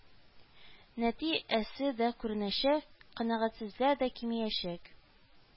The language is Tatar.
Нәти әсе дә күренәчәк, канәгатьсезләр дә кимиячәк